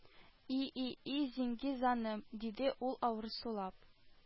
– и-и-и, зиңги заным, – диде ул, авыр сулап